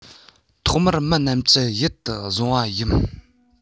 ཐོག མར མི རྣམས ཀྱིས ཡིད དུ བཟུང པ ཡིན